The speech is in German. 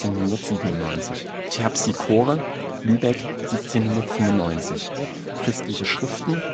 1797) Terpsichore, Lübeck 1795 Christliche Schriften